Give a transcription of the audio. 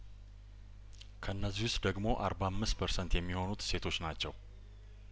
ከእነዚህ ውስጥ ደግሞ አርባ አምስት ፐርሰንት የሚሆኑት ሴቶች ናቸው